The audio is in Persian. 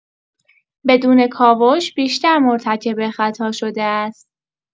بدون کاوش بیشتر مرتکب خطا شده است.